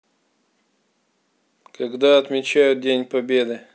когда отмечают день победы